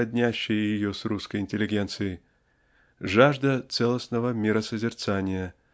роднящие ее с русской интеллигенцией -- жажда целостного миросозерцания